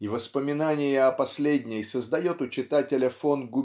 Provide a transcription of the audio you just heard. И воспоминание о последней создает у читателя фон